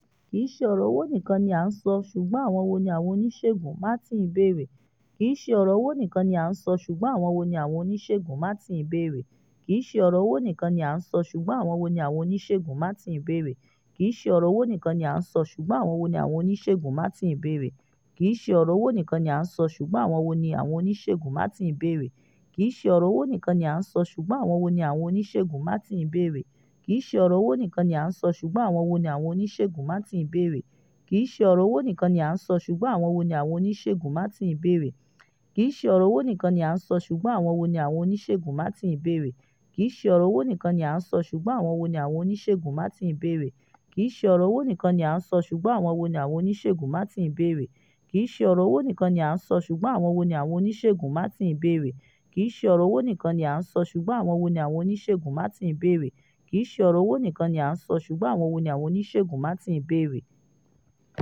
"Kìí ṣe ọ̀rọ̀ owó nìkan ni à ń sọ, ṣùgbọ́n àwọn wo ni àwọn oníṣègùn?" Martin bèère.